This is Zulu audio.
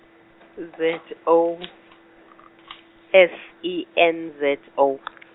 Z O, S E N Z O .